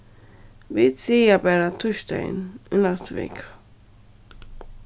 vit siga bara týsdagin í næstu viku